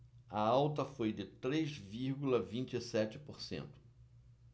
a alta foi de três vírgula vinte e sete por cento